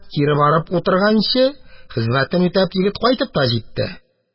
Кире барып утырганчы, хезмәтен үтәп, егет кайтып та җитте.